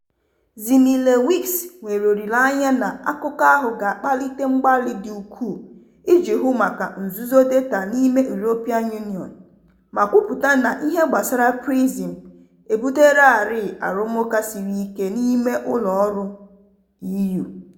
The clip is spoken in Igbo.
Szymielewicz nwere olileanya na akụkọ ahụ ga-akpalite mgbalị dị ukwuu iji hụ maka nzuzo data n'ime European Union, ma kwupụta na "ihe gbasara PRISM" ebutelarịị "arụmụka siri ike" n'ime ụlọọrụ EU.